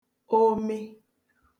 ome